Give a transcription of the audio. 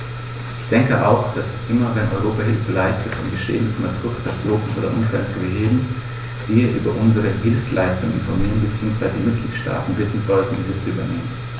Ich denke auch, dass immer wenn Europa Hilfe leistet, um die Schäden von Naturkatastrophen oder Unfällen zu beheben, wir über unsere Hilfsleistungen informieren bzw. die Mitgliedstaaten bitten sollten, dies zu übernehmen.